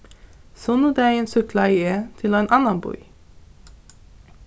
sunnudagin súkklaði eg til ein annan bý